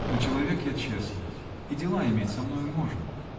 но человек я честный -- и дела иметь со мною можно.